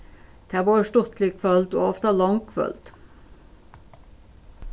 tað vóru stuttlig kvøld og ofta long kvøld